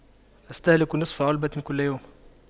استهلك نصف علبة كل يوم